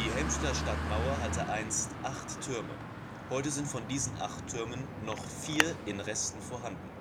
Helmstedter Stadtmauer hatte einst acht Türme. Heute sind von diesen acht Türmen noch vier in Resten vorhanden